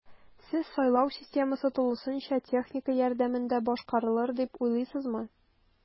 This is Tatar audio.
Сез сайлау системасы тулысынча техника ярдәмендә башкарарылыр дип уйлыйсызмы?